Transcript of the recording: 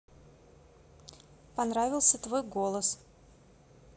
понравился твой голос